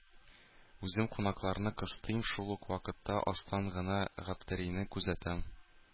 Үзем кунакларны кыстыйм, шул ук вакытта астан гына Гаптерине күзәтәм.